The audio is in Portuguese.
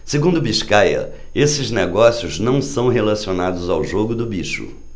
segundo biscaia esses negócios não são relacionados ao jogo do bicho